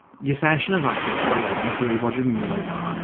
Your session has actually expired a wnes i weud "what do you mean by that?"